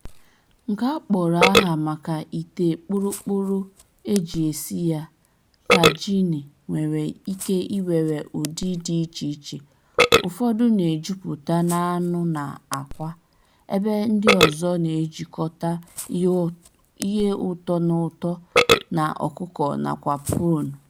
Nke a kpọrọ aha maka ite kpụrụkpụrụ e ji esi ya, tajine nwere ike iwere ụdị dị icheiche; ụfọdụ na-ejupụta n'anụ na àkwá, ebe ndị ọzọ na-ejikọta ihe ụtọ na ụtọ na ọkụkọ nakwa prune.